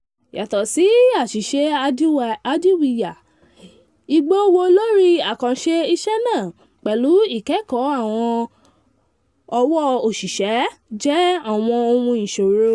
Yàtọ̀ sí àṣìṣe hádìwià, ìgbówólórí àkànṣe iṣẹ́ náà - pẹ̀lú ìkẹ́kọ̀ọ́ àwọn ọ̀wọ́ òṣìṣẹ -́ jẹ́ àwọn ohun ìṣòrò.